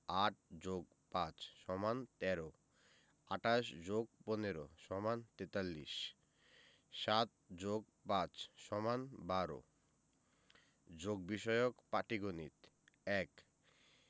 ৮ + ৫ = ১৩ ২৮ + ১৫ = ৪৩ ৭+৫ = ১২ যোগ বিষয়ক পাটিগনিত ১